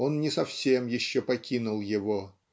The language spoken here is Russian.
он не совсем еще покинул его